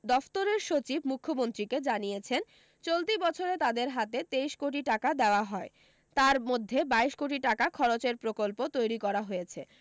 দফতরের সচিব মুখ্যমন্ত্রীকে জানিয়েছেন চলতি বছরে তাদের হাতে তেইশ কোটি টাকা দেওয়া হয় তার মধ্যে বাইশ কোটি টাকা খরচের প্রকল্প তৈরী করা হয়েছে